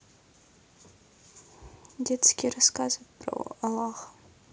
детские рассказы про аллаха